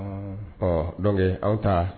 Ɔ don aw taa